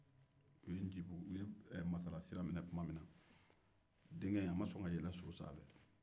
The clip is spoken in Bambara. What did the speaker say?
u ye masala sira minɛ denkɛ ma sɔn ka yɛlɛn so sanfɛ